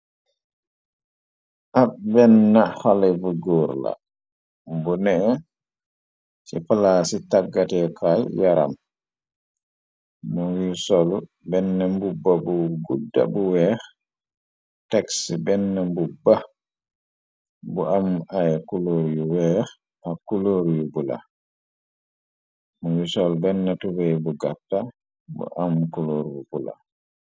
ab benn xale bu góor la bu ne ci plaa ci taggatekaay yaram mungu sol benn mbubba bu gudda bu weex tex benn mbubba bu am ay kulor yu weex ak kulóor yu bula mungu sol benn tubee bu gatta bu am culoor bu bula